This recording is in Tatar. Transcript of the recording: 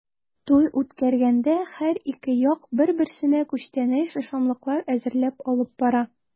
Туй үткәргәндә һәр ике як бер-берсенә күчтәнәч-ашамлыклар әзерләп алып бара.